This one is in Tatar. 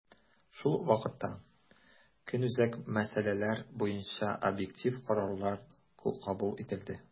Шул ук вакытта, көнүзәк мәсьәләләр буенча объектив карарлар кабул ителде.